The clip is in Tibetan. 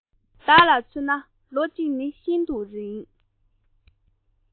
བདག ལ མཚོན ན ལོ གཅིག ནི ཤིན ཏུ རིང